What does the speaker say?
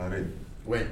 Re wa